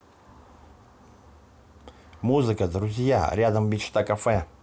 музыку друзья рядом мечта кафе